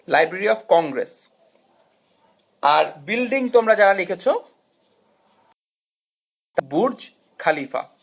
library of Congress আর building তোমরা যারা লিখেছ বুর্জ খালিফা